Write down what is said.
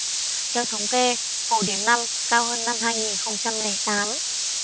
theo thống kê phổ điểm năm cao hơn năm hai nghìn không trăm lẻ tám